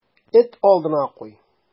Эт алдына куй.